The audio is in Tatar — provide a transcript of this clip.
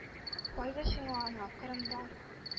— кайгы сиңа, ана, кырымда